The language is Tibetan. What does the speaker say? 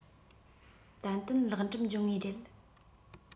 ཏན ཏན ལེགས འགྲུབ འབྱུང ངེས རེད